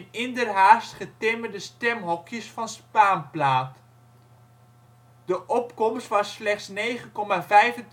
inderhaast getimmerde stemhokjes van spaanplaat. De opkomst was slechts 9,25 %